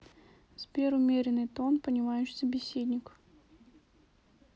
сбер умеренный тон понимающий собеседник